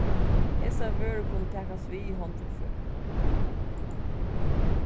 hesar vørur kunnu takast við í hondviðførið